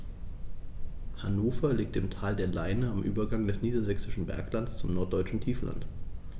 Hannover liegt im Tal der Leine am Übergang des Niedersächsischen Berglands zum Norddeutschen Tiefland.